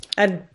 yym...